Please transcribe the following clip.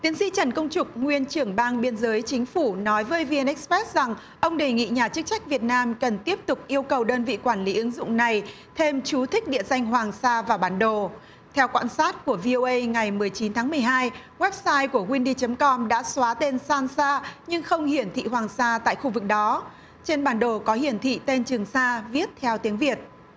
tiến sĩ trần công trục nguyên trưởng ban biên giới chính phủ nói với vi en ích pét rằng ông đề nghị nhà chức trách việt nam cần tiếp tục yêu cầu đơn vị quản lý ứng dụng này thêm chú thích địa danh hoàng sa vào bản đồ theo quạn sát của vi ô ây ngày mười chín tháng mười hai goép sai của guyn đi chấm com đã xóa tên san sa nhưng không hiển thị hoàng sa tại khu vực đó trên bản đồ có hiển thị tên trường sa viết theo tiếng việt